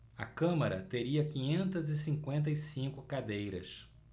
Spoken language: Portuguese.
a câmara teria quinhentas e cinquenta e cinco cadeiras